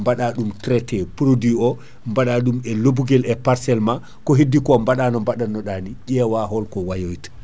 baɗa ɗum traité produit o baɗa ɗum e lobbuguel e parcelle ma ko heddi ko baɗa no baɗanno ɗa ni ƴeewa holko wayoyta